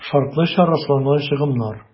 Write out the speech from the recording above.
«шартлыча расланган чыгымнар»